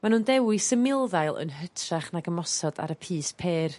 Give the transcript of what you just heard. Ma' nw'n dewis y milddail yn hytrach nag ymosod ar y pys pêr.